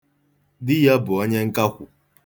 Di ya bụ onye nkakwu.